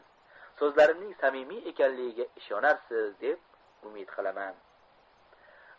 so'zlarimning samimiy ekanligiga ishonarsiz deb umid qilaman